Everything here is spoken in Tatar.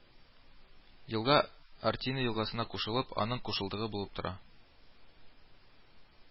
Елга Ортина елгасына кушылып, аның кушылдыгы булып тора